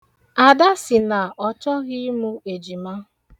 Ada sị na ọ chọghị ịmụ ejima.